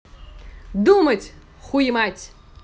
думать хуемать